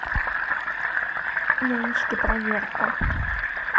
яички проверка